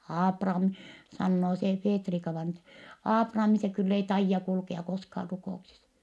Aaprami sanoo se Feetrika-vainaja että Aaprami se kyllä ei taida kulkea koskaan rukouksissa